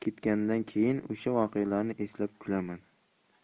ketgandan keyin o'sha voqealarni eslab kulaman